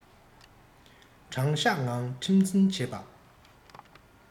དྲང གཞག ངང ཁྲིམས འཛིན བྱེད པ